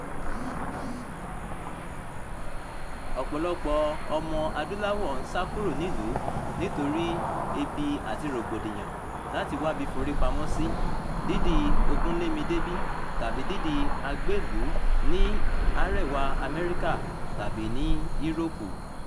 Ọ̀pọ̀lọpọ̀ Ọmọ-adúláwọ̀ ń sá kúrò nílùú nítorí ebi àti rògbòdìyàn, láti wábi forí pamọ́ sí, dídi ogúnlémidébí tàbí dídi agbélùú ní Àréwá Amẹ́ríkà tàbí ní Éróòpù.